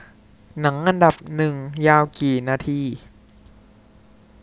หนังอันดับหนึ่งยาวกี่นาที